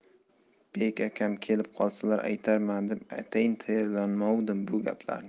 bek akam kelib qolsalar aytarman deb atayin tayyorlamovdim bu gaplarni